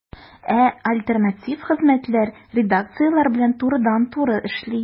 Ә альтернатив хезмәтләр редакцияләр белән турыдан-туры эшли.